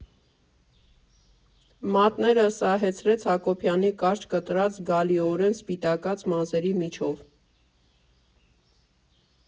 Մատները սահեցրեց Հակոբյանի կարճ կտրած, զգալիորեն սպիտակած մազերի միջով։